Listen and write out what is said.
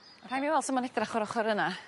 Ma' rhai' ni wel' su ma'n edrach or ochor yna.